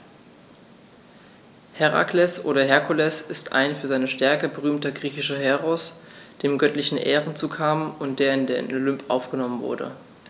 Herakles oder Herkules ist ein für seine Stärke berühmter griechischer Heros, dem göttliche Ehren zukamen und der in den Olymp aufgenommen wurde.